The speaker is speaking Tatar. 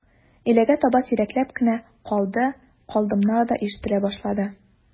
Өйләгә таба сирәкләп кенә «калды», «калдым»нар да ишетелә башлады.